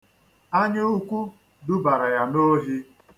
Anyaukwu dubara ya n'ohi.